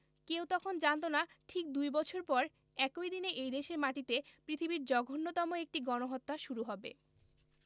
কেউ তখন জানত না ঠিক দুই বছর পর একই দিনে এই দেশের মাটিতে পৃথিবীর জঘন্যতম একটি গণহত্যা শুরু হবে